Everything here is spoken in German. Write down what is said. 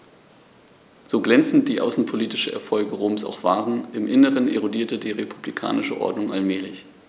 So glänzend die außenpolitischen Erfolge Roms auch waren: Im Inneren erodierte die republikanische Ordnung allmählich.